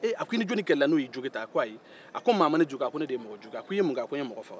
eee a k'i ni joni kɛlɛla n'o ye jogin ta a ko ayi a ko maa ma ne jogin ne de ye maa jogin a ko e ye mun kɛ a ko ne de ye mɔgɔ